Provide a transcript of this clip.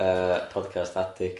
Yy Podcast Addict.